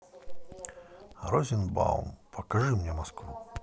розенбаум покажите мне москву